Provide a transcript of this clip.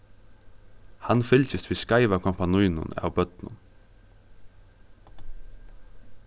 hann fylgist við skeiva kompanínum av børnum